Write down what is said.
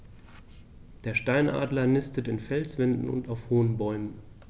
Der Steinadler nistet in Felswänden und auf hohen Bäumen.